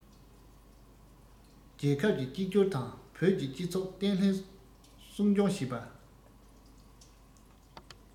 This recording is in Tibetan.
རྒྱལ ཁབ ཀྱི གཅིག གྱུར དང བོད ཀྱི སྤྱི ཚོགས བརྟན ལྷིང སྲུང སྐྱོང བྱས པ